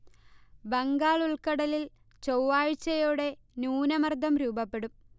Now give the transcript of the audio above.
ബംഗാൾ ഉൾക്കടലിൽ ചൊവ്വാഴ്ചയോടെ ന്യൂനമർദം രൂപപ്പെടും